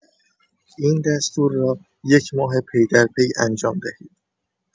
این دستور را یک ماه پی در پی انجام دهید.